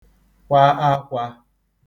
kwa akwā